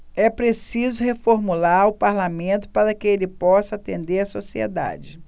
é preciso reformular o parlamento para que ele possa atender a sociedade